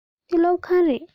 འདི སློབ ཁང རེད